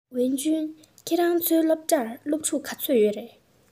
ཝུན ཅུན ཁྱོད རང ཚོའི སློབ གྲྭར སློབ ཕྲུག ག ཚོད ཡོད རེད